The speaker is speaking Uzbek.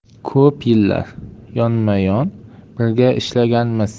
ko'p yillar yonma yon birga ishlaganmiz